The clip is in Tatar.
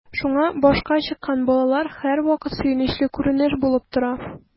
Шуңа “башка чыккан” балалар һәрвакыт сөенечле күренеш булып тора.